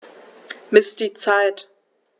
Miss die Zeit.